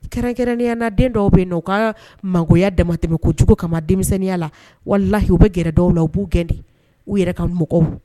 Kɛrɛnkɛrɛnneya la den dɔw bɛ nɔ yen nɔ u ka mangoya damatɛmɛnkojugu kama denmisɛnninya la walahi u bɛ gɛrɛ dɔw la u b'u gɛn de, u yɛrɛ ka mɔgɔw